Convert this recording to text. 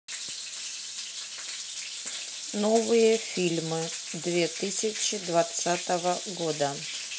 новые фильмы две тысячи двадцатого года